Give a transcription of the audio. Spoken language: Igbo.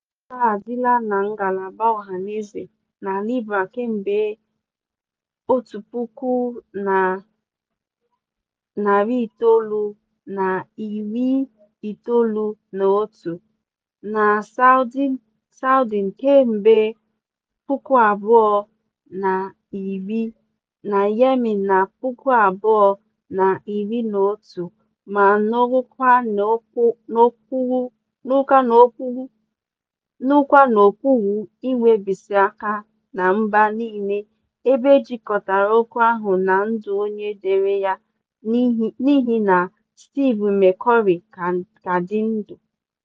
Foto a adịla na ngalaba ọhaneze na Libya kemgbe 1991, na Saudi kemgbe 2010, na Yemen na 2011, ma nọrọkwa n'okpuru nnwebisiinka na mba niile ebe ejikọtara okwu ahụ na ndụ onye dere ya n'ihi na Steve McCurry ka dị ndụ.